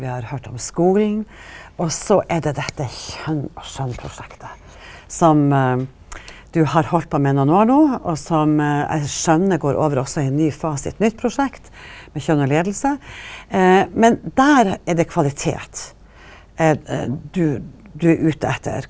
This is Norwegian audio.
vi har høyrt om skulen, og så er det dette Kjønn og skjønn-prosjektet som du har halde på med nokon år no, og som eg skjønner går over også i ein ny fase i eit nytt prosjekt, med Kjønn og leiing, men der er det kvalitet du du er ute etter.